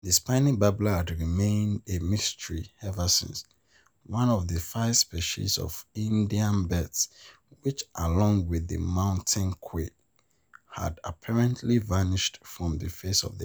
The Spiny Babbler had remained a mystery ever since, one of the five species of Indian birds, which, along with the Mountain Quail, had apparently vanished from the face of the earth.